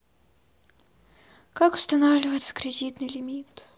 как устанавливается кредитный лимит